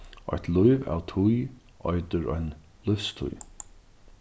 eitt lív av tíð eitur ein lívstíð